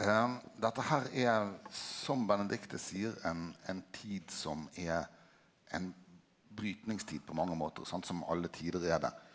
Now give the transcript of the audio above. dette her er som Benedicte seier ein ein tid som er ein brytningstid på mange måtar sant, som alle tider er det.